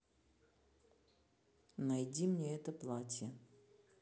найди мне это платье